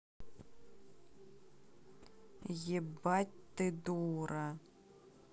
ебать ты дура